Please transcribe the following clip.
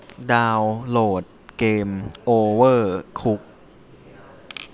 ดาวโหลดเกมโอเวอร์คุก